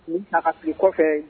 Binta ka fili kɔfɛ